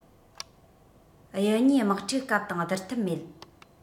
དབྱི གཉིས དམག འཁྲུག སྐབས དང སྡུར ཐབས མེད